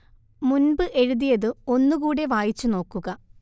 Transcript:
മുൻപ് എഴുതിയത് ഒന്നു കൂടെ വായിച്ചു നോക്കുക